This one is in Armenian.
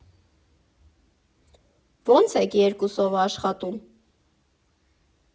Ո՞նց եք երկուսով աշխատում։